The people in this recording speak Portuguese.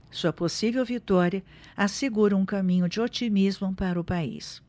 sua possível vitória assegura um caminho de otimismo para o país